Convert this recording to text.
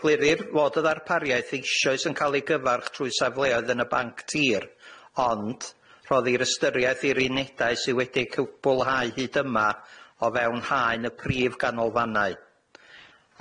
Eglurir fod y ddarpariaeth eisoes yn cael ei gyfarch trwy safleoedd yn y banc tir, ond, rhoddir ystyriaeth i'r unedau sy wedi'u cwblhau hyd yma o fewn haen y prif ganolfannau.